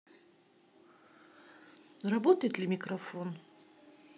работает ли микрофон